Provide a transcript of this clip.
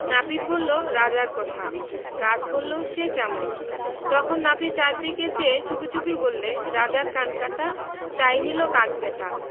নাপিত বলল রাজার কথা গাছ বলল সে কমন তখন নাপিত চারিদিকে চেয়ে চুপিচুপি বললে রাজার কান কাটা তাই নিল কাক ব্যাটা